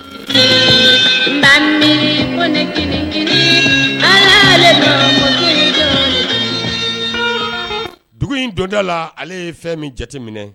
Dugu in donda la ale ye fɛn min jateminɛ